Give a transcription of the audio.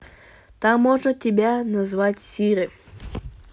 так можно тебя называть сири